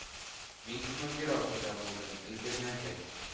Мин командировкада булдым, өлгермәдек